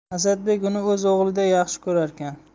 asadbek uni o'z o'g'liday yaxshi ko'rarkan